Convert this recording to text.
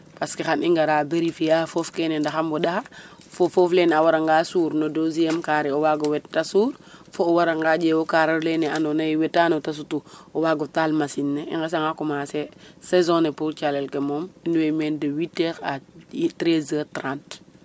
parce xa i ngara mberifiye'a poof kene ndax a ɓoɗaxa fo foof lene a mbaranga suur no 2eme carrée o waag o wet ta suur fo o waranga ƴeew o kaare olene andoona yee wetaano ta sutu o waag o taal machine neo xesanga commencer saison ne pour calel ke moom in woy meen de 8 heure a 13 heure 30